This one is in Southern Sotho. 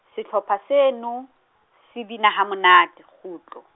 sehlopha seno, se bina ha monate, kgutlo.